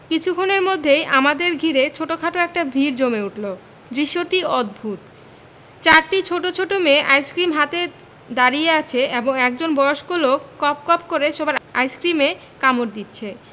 কিছুক্ষণের মধ্যেই আমাদের ঘিরে ছোটখাট একটা ভিড় জমে উঠল দৃশ্যটি অদ্ভুত চরিটি ছোট ছোট মেয়ে আইসক্রিম হাতে দাড়িয়ে আছে এবং একজন বয়স্ক লোক কপ কপ করে সবার আইসক্রিমে কামড় দিচ্ছে